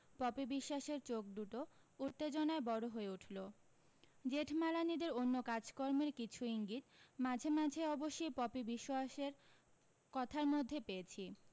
poppy বিশ্বাসের চোখদুটো উত্তেজনায় বড় হয়ে উঠলো জেঠমালানিদের অন্য কাজকর্মের কিছু ইঙ্গিত মাঝে মাঝে অবশ্যি পপি বিশোয়াসের কথার মধ্যে পেয়েছি